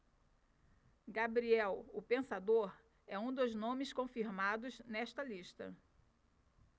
gabriel o pensador é um dos nomes confirmados nesta lista